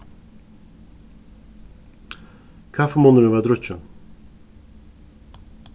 kaffimunnurin varð drukkin